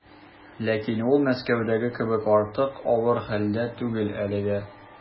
Ләкин ул Мәскәүдәге кебек артык авыр хәлдә түгел әлегә.